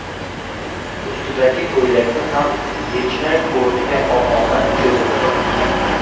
ustidagi ko'ylakni ham yechmay o'rniga omonat cho'zildi